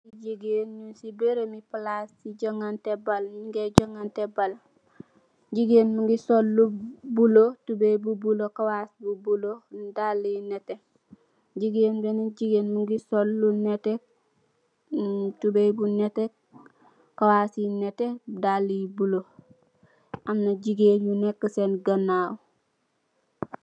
Jegain nuge se bereme plase juganteh ball nuge juganteh ball jegain muge sol lu bluelo tubaye bu bluelo kawass bu bluelo dalla yu neteh jegain benen jegain muge sol lu neteh tubaye bu neteh kawass yu neteh dalla yu bluelo amna jegain yu neka sen ganaw.